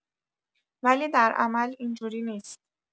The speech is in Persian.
ولی در عمل اینجوری نیست